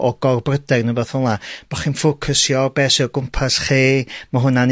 o gor bryder ne' wbath fel 'na, bo' chi'n ffocysio be' sy o gwmpas chi. Ma' hwnna'n